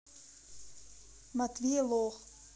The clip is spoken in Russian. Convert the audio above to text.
матвей лох